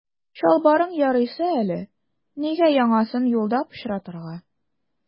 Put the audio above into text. Чалбарың ярыйсы әле, нигә яңасын юлда пычратырга.